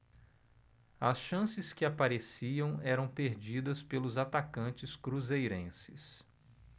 as chances que apareciam eram perdidas pelos atacantes cruzeirenses